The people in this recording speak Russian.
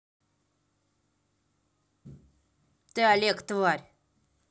ты олег тварь